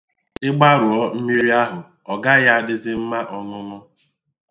Ị gbarụọ mmiri ahụ, ọ gaghị adịzị mma ọṅụṅụ.